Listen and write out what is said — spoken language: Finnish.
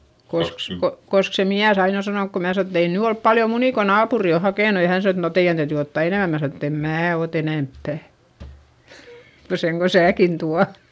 koska - koska se mies aina on sanonut kun minä sanon että ei nyt ole paljon munia kun naapuri on hakenut ja hän sanoo että no teidän täytyy ottaa enemmän minä sanon että en minä ota enempää kuin sen kun sinäkin tuolla